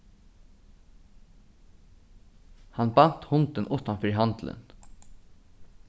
hann bant hundin uttan fyri handilin